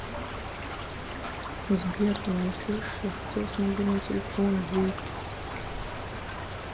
сбер ты меня слышишь я хотела с мобильного телефона выключить